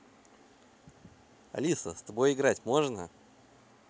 алиса с тобой играть можно